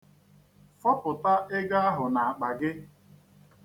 Fọpụta ego ahụ n'akpa gị.